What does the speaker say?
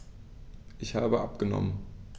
Ich habe abgenommen.